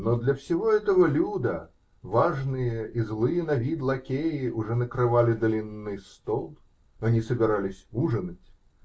но для всего этого люда важные и злые на вид лакеи уже накрывали длинный стол -- они собирались ужинать.